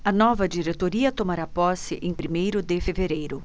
a nova diretoria tomará posse em primeiro de fevereiro